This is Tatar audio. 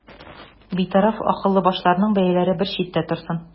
Битараф акыллы башларның бәяләре бер читтә торсын.